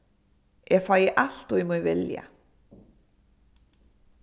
eg fái altíð mín vilja